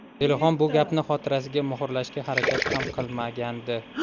zelixon bu gapni xotirasiga muhrlashga harakat ham qilmagandi